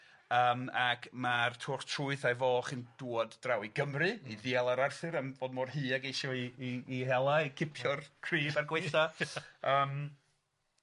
yym ag ma'r twrch trwyth a'i foch yn dŵad draw i Gymru i ddial ar Arthur am bod mor hy a geisio i i i hela, i cipio'r crib a'r gwaetha yym.